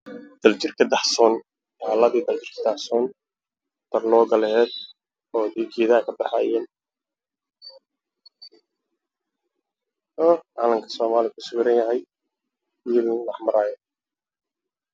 Meeshan waxaa iga muuqatay taalo arko aada u dheer banaanka waa laami geedahay